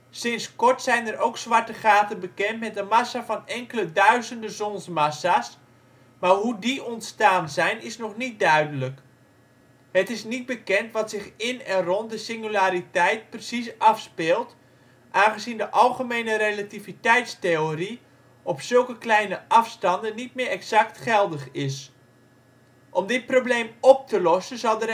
Sinds kort zijn er ook zwarte gaten bekend met een massa van enkele duizenden zonsmassa 's maar hoe die ontstaan zijn is nog niet duidelijk. Het is niet bekend wat zich in en rond de singulariteit precies afspeelt, aangezien de algemene relativiteitstheorie op zulke kleine afstanden niet meer exact geldig is. Om dit probleem op te lossen, zal de